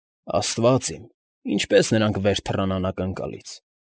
Աստվա՜ծ իմ, ինչպե՜ս վեր թռան անակնկալից։